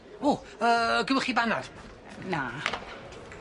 O yy gymwch chi banad? Na.